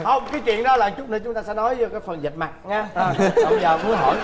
không chuyện đó là chút nữa chúng ta sẽ nói trong phần vạch mặt nha giờ mới hỏi